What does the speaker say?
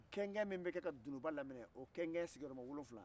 kɛn kɛn min bɛ kɛ ka dununba laminɛ o kɛn kɛn sigiyɔrɔma wolonfila